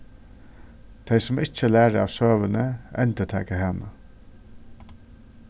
tey sum ikki læra av søguni endurtaka hana